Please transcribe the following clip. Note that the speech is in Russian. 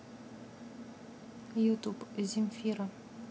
ютуб земфира